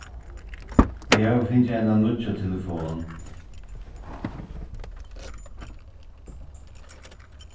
eg havi fingið eina nýggja telefon